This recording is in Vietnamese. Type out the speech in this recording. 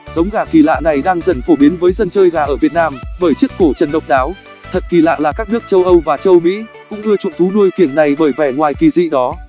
giống gà kỳ lạ này đang dần phổ biến với dân chơi gà ở việt nam bởi chiếc cổ trần độc đáo thật kì lạ là các nước châu âu và châu mỹ cũng ưa chuộng thú nuôi kiểng này bởi vẻ ngoài kì dị đó